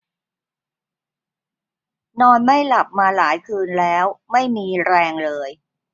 นอนไม่หลับมาหลายคืนแล้วไม่มีแรงเลย